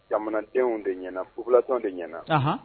Jamanadenw de ɲɛna buuguulalatɔ de ɲɛna